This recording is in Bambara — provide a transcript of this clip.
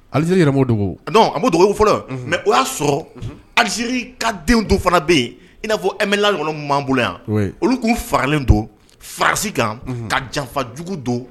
Aliz yɛrɛ b' dogo dɔn a ko dugawu fɔlɔ mɛ o y'a sɔrɔ alizeri ka den don fana bɛ yen i n'a fɔ e bɛla kɔnɔ ma bolo yan olu tun fagalen don farasi kan ka janfajugu don